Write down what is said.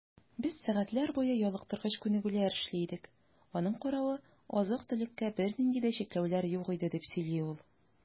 Без сәгатьләр буе ялыктыргыч күнегүләр эшли идек, аның каравы, азык-төлеккә бернинди дә чикләүләр юк иде, - дип сөйли ул.